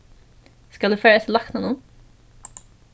skal eg fara eftir læknanum